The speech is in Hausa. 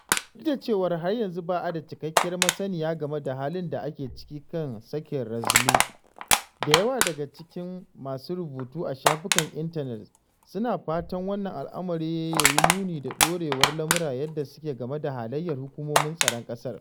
Duk da cewa har yanzu ba a da cikakkiyar masaniya game da halin da ake ciki kan sakin Razily, da yawa daga cikin masu rubutu a shafukan intanet suna fatan wannan al’amari yayi nuni da dawowar lamura yanda suke game da halayyar hukumomin tsaron ƙasar.